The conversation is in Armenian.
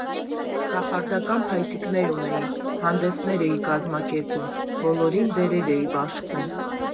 «Կախարդական փայտիկներ» ունեի, հանդեսներ էի կազմակերպում, բոլորին դերեր էի բաշխում։